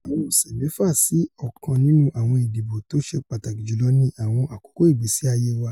Àwọn ọ̀sẹ̀ mẹ́fà sí ọ̀kan nínú àwọn ìdìbò tóṣe pàtàkì jùlọ ní àwọn àkókò ìgbésí-ayé wa.